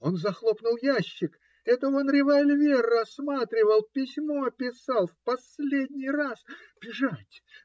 Он захлопнул ящик - это он револьвер рассматривал. Письмо писал. В последний раз. Бежать!